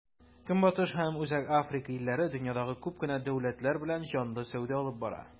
Көнбатыш һәм Үзәк Африка илләре дөньядагы күп кенә дәүләтләр белән җанлы сәүдә алып бара.